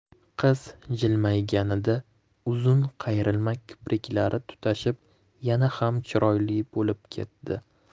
qiz jilmayganida uzun qayrilma kipriklari tutashib yana ham chiroyli bo'lib ketdi